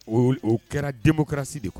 O kɛra denmusorasi de kɔnɔ